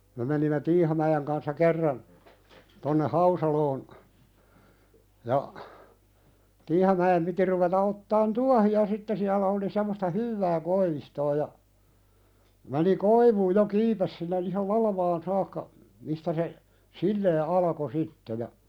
me menimme Tiihamäen kanssa kerran tuonne Hausaloon ja Tiihamäen piti ruveta ottamaan tuohia sitten siellä oli semmoista hyvää koivistoa ja meni koivuun jo kiipesi sinne ihan latvaan saakka mistä se silleen alkoi sitten ja